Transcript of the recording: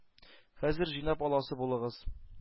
-хәзер җыйнап аласы булыгыз!